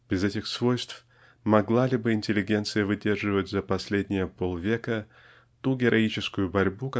Без этих свойств могла ли бы интеллигенция выдерживать за последние полвека ту героическую борьбу